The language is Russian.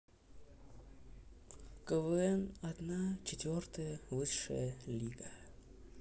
квн одна четвертая высшая лига